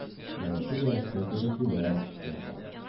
Монысы дөрескә туры килә, ичмасам.